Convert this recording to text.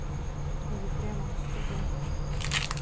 ефремов в суде